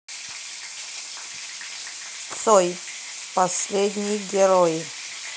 цой последний герой